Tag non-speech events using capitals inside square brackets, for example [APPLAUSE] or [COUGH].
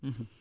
[HESITATION] [HESITATION]